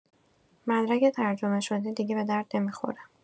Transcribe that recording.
مدرک ترجمه‌شده دیگه به درد نمی‌خوره